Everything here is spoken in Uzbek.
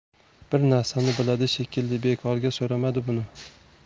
bir narsani biladi shekilli bekorga so'ramadi buni